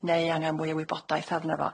Neu angan mwy o wybodaeth arno fo.